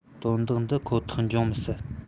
དོན དག འདི ཁོ ཐག འབྱུང མི སྲིད